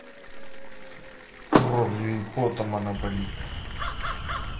кровью и потом она болит